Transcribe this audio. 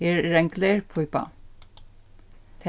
her er ein glerpípa